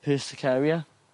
Persicaria.